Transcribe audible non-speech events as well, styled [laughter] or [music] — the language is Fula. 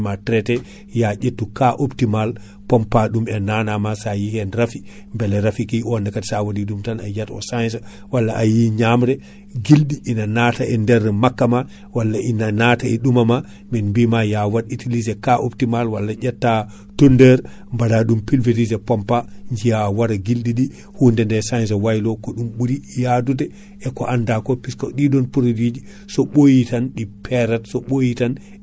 kono Aprostar o kam dose makko ko 4K sa hutorimamo 4K a waɗiri ɗum traité awdi ma donc ko jaam tan dañata ɗiɗon awdi ndi sellat ndi senoto te kaadi hay rafi goto wawata hebdedi e nder leydi sondi fuɗi kaadi ko fuɗi ko kaadi [breath] nde wonno Aprostar o nate e nder awdi hi heɓoyi ko fettoyta ko hankkandi ko fuɗi ko kaadi won kaadi ko ukkata hen donc ha saabi ñamon kewkon bawata ɓattade ɗum saka ñama ɗum